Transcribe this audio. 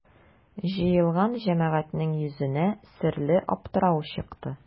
Җыелган җәмәгатьнең йөзенә серле аптырау чыкты.